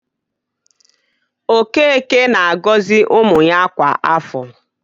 Okeke na-agọzị ụmụ ya kwa afọ.